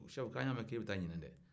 sefu k'an y'a mɛ k'e bɛ taa ɲinan de